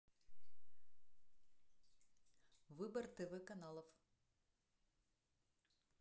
выбор тв каналов